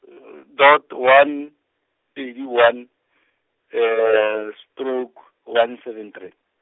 dot one, pedi one, stroke, one seven three.